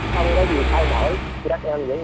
không có gì thay đổi các em vẫn